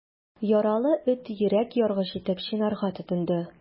Яралы эт йөрәк яргыч итеп чинарга тотынды.